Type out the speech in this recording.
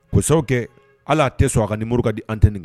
Kosa kɛ ala a tɛ sɔn a ka ni morika di an tɛ nin kan